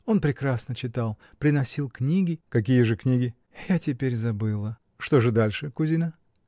Он прекрасно читал, приносил книги. — Какие же книги? — Я теперь забыла. — Что же дальше, кузина?